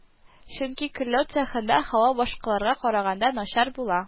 Чөнки көлләү цехында һава башкаларга караганда начар була